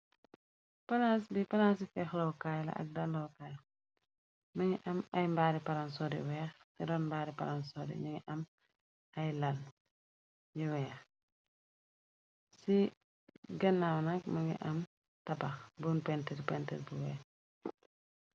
Palans bi palansi feexlawkaay la ak dalookaay më ngi am ay mbaari palonsori weex ci ron mbaari palansori ñu ngi am ay làn yi weex ci gënnaaw nak më ngi am tabax buun pentetu pent bu weex.